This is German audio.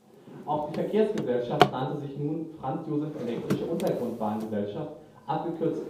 Verkehrsgesellschaft nannte sich nun Franz Joseph elektrische Untergrundbahngesellschaft (abgekürzt